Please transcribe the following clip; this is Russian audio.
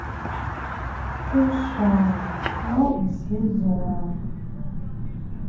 решала новый сезон